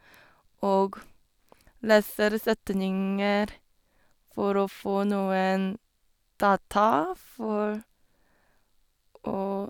Og leser setninger for å få noen data for å...